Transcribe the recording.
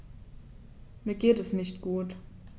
Mir geht es nicht gut.